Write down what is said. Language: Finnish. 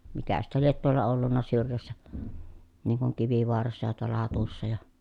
mikä sitten lie tuolla ollut syrjässä niin kuin Kivivaarassa ja tuolla Hatussa ja